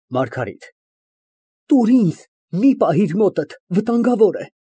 ՄԱՐԳԱՐԻՏ ֊ Տուր ինձ։ Մի պահիր մոտդ, վտանգավոր է։